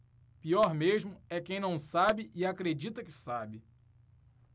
pior mesmo é quem não sabe e acredita que sabe